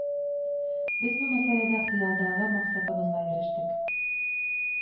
Без бу мәсьәләдә хыялдагы максатыбызга ирештек